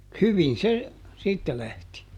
hyvin se siitä lähti